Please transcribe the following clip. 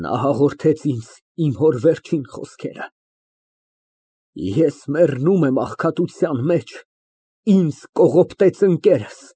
Նա հաղորդեց ինձ իմ հոր վերջին խոսքերը. «Ես մեռնում եմ աղքատության մեջ, ինձ կողոպտեց ընկերս։